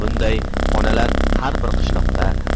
bunday onalar har bir qishloqda